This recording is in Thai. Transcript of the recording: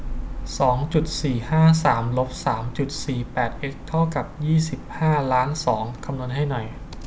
สองจุดสี่ห้าสามลบสามจุดสี่แปดเอ็กซ์เท่ากับยี่สิบห้าล้านสองคำนวณให้หน่อย